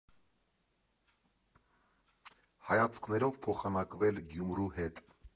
Հայացքներով փոխանակվել Գյումրու հետ։